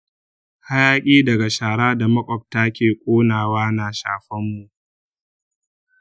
hayaƙi daga shara da maƙwabta ke ƙona wa na shafan mu.